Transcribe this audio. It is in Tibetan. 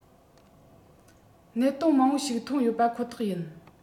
གནད དོན མང པོ ཞིག ཐོན ཡོད པ ཁོ ཐག ཡིན